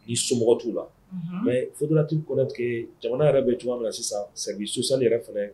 I somɔgɔ t'u la mɛ furuunalati kɔntigɛ jamana yɛrɛ bɛ tuma min na sisan susanli yɛrɛ fana